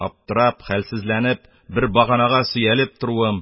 Аптырап, хәлсезләнеп, бер баганага сөялеп торуым